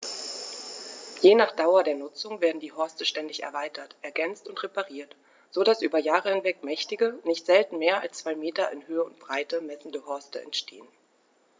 Je nach Dauer der Nutzung werden die Horste ständig erweitert, ergänzt und repariert, so dass über Jahre hinweg mächtige, nicht selten mehr als zwei Meter in Höhe und Breite messende Horste entstehen.